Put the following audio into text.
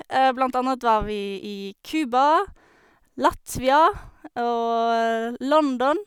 Blant annet var vi i Cuba, Latvia, og London.